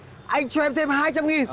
anh cho em thêm hai trăm nghìn